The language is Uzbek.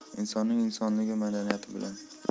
insonning insonligi madaniyati bilan